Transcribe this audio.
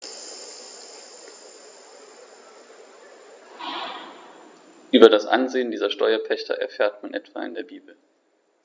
Über das Ansehen dieser Steuerpächter erfährt man etwa in der Bibel.